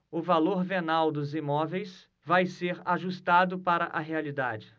o valor venal dos imóveis vai ser ajustado para a realidade